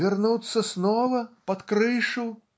Вернуться снова под крышу?